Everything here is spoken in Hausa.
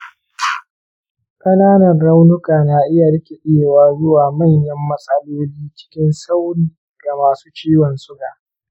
ƙananan raunuka na iya rikidewa zuwa manyan matsaloli cikin sauri ga masu ciwon suga.